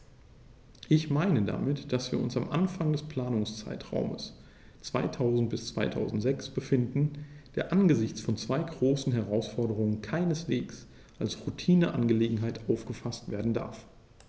Ich meine damit, dass wir uns am Anfang des Planungszeitraums 2000-2006 befinden, der angesichts von zwei großen Herausforderungen keineswegs als Routineangelegenheit aufgefaßt werden darf.